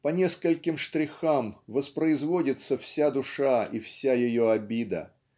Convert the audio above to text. по нескольким штрихам воспроизводится вся душа и вся ее обида